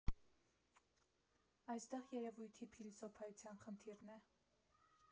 «Այստեղ երևույթի փիլիսոփայության խնդիրն է։